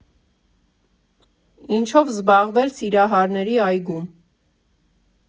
Ինչո՞վ զբաղվել Սիրահարների այգում։